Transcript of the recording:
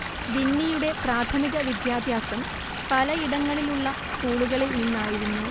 വിന്നിയുടെ പ്രാഥമിക വിദ്യാഭ്യാസം പലയിടങ്ങളിലുള്ള സ്കൂളുകളിൽ നിന്നായിരുന്നു